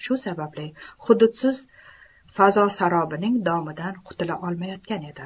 shu sababli hududsiz fazosarobining domidan qutula olmayotgan edi